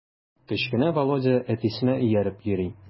Кечкенә Володя әтисенә ияреп йөри.